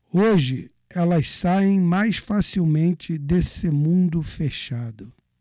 hoje elas saem mais facilmente desse mundo fechado